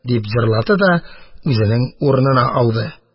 Дип җырлады да үзенең урынына ауды.